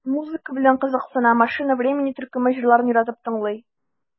Музыка белән кызыксына, "Машина времени" төркеме җырларын яратып тыңлый.